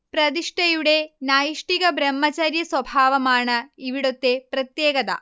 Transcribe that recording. പ്രതിഷ്ഠയുടെ നൈഷ്ഠിക ബ്രഹ്മചര്യ സ്വഭാവമാണ് ഇവിടുത്തെ പ്രത്യേകത